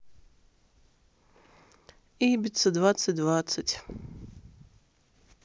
ибица двадцать двадцать